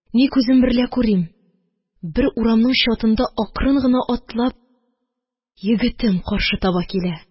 Ни күзем берлә күрим, бер урамның чатында акрын гына атлап егетем каршы таба килә.